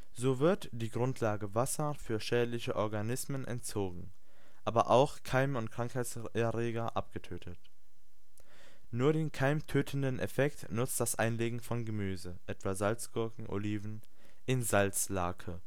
So wird die Grundlage Wasser für schädliche Organismen entzogen, aber auch Keime und Krankheitserreger abgetötet. Nur den keimtötenden Effekt nutzt das Einlegen von Gemüse (etwa Salzgurken, Oliven) in Salzlake